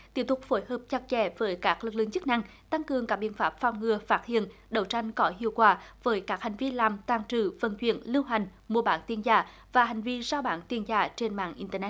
tiếp tục phối hợp chặt chẽ với các lực lượng chức năng tăng cường các biện pháp phòng ngừa phát hiện đấu tranh có hiệu quả với các hành vi làm tàng trữ vận chuyển lưu hành mua bán tiền giả và hành vi rao bán tiền giả trên mạng in tơ nét